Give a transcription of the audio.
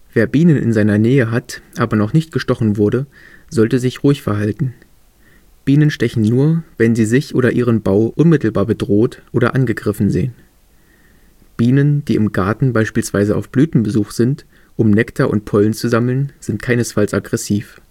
Wer Bienen in seiner Nähe hat, aber noch nicht gestochen wurde, sollte sich ruhig verhalten. Bienen stechen nur, wenn sie sich oder ihren Bau unmittelbar bedroht oder angegriffen sehen. Bienen, die im Garten beispielsweise auf Blütenbesuch sind, um Nektar und Pollen zu sammeln, sind keinesfalls aggressiv